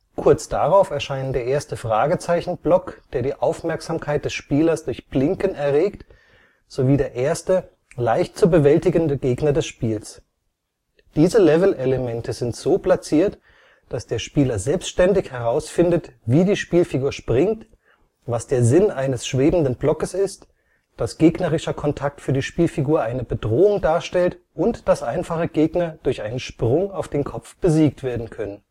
Kurz darauf erscheinen der erste Fragezeichen-Block, der die Aufmerksamkeit des Spielers durch Blinken erregt, sowie der erste, leicht zu bewältigende Gegner des Spiels. Diese Levelelemente sind so platziert, dass der Spieler selbstständig herausfindet, wie die Spielfigur springt, was der Sinn eines schwebenden Blockes ist, dass gegnerischer Kontakt für die Spielfigur eine Bedrohung darstellt und dass einfache Gegner durch einen Sprung auf den Kopf besiegt werden können